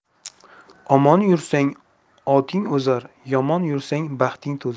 omon yursang oting o'zar yomon yursang baxting to'zar